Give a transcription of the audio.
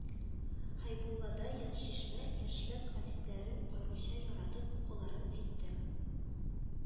Хәйбуллада Йәншишмә, Йәшлек гәзитләрен аеруча яратып укуларын әйтте